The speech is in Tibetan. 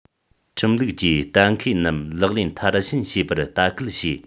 ཁྲིམས ལུགས ཀྱིས གཏན འཁེལ རྣམས ལག ལེན མཐར ཕྱིན བྱེད པར ལྟ སྐུལ བྱེད